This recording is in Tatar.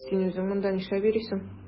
Син үзең монда нишләп йөрисең?